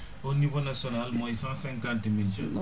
au niveau national mooy cent cinquante mille jeunes